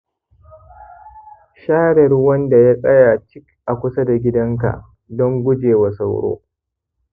share ruwan da ya tsaya cik a kusa da gidanka don gujewa sauro